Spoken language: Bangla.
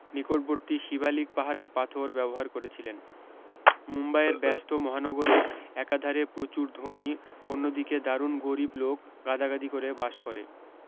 নিকটবর্তী শিবালিক পাহাড়ের পাথর ব্যবহার করেছিলেন মুম্বাই এর ব্যস্ত মহানগরে একাধারে প্রচুর ধনী অন্যদিকে দারুণ গরিব লোক গাদাগাদী করে বাস করে